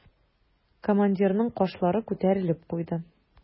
Командирның кашлары күтәрелеп куйды.